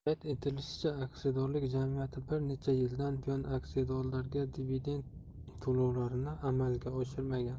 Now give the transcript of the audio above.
qayd etilishicha aksiyadorlik jamiyati bir necha yildan buyon aksiyadorlarga dividend to'lovlarini amalga oshirmagan